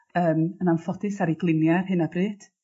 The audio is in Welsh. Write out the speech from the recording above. yym yn anffodus ar 'i glinia' ar hyn o bryd.